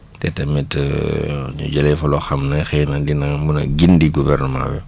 te tamit ñu jêlee fa loo xam ne xëy na dina mên a gindi gouvernement bi